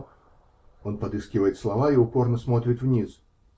Но. Он подыскивает слова и упорно смотрит вниз.